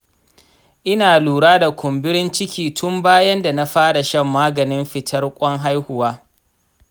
ina lura da kumburin ciki tun bayan da na fara shan maganin fitar ƙwan haihuwa.